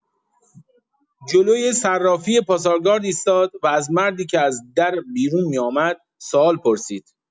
جلوی صرافی پاسارگاد ایستاد و از مردی که از در بیرون می‌آمد سوال پرسید.